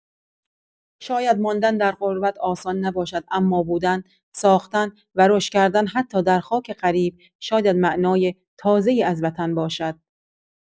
شاید ماندن در غربت آسان نباشد، اما بودن، ساختن، و رشد کردن حتی در خاک غریب، شاید معنای تازه‌ای از وطن باشد.